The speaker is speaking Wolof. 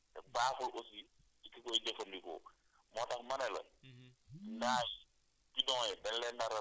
yooyu yëpp ay germe la loolu baaxul ci ndox bi te baaxul aussi si ki koy jëfandikoo moo tax ma ne la